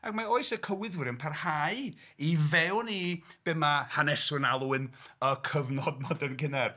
Ac mae oes y Cywyddwyr yn parhau i fewn i be ma' haneswyr yn alw yn y cyfnod modern cynnar.